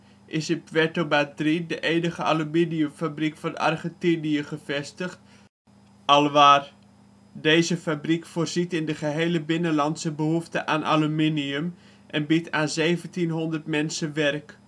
is in Puerto Madryn de enige aluminiumfabriek van Argentinië gevestigd, ALUAR (Aluminio Argentino). Deze fabriek voorziet in de gehele binnenlandse behoefte aan aluminium en biedt aan 1700 mensen werk